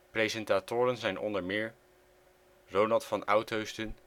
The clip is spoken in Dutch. Presentatoren zijn onder meer: Ronald van Oudheusden